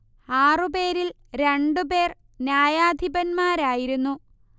ആറു പേരിൽ രണ്ടുപേർ ന്യായാധിപന്മാരായിരുന്നു